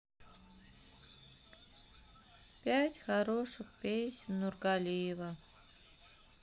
пять хороших песен нургалиева